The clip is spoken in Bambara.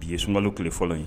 Bi ye sunmanlo kelen fɔlɔ ye